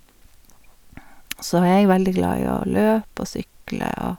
Og så er jeg veldig glad i å løpe og sykle, og...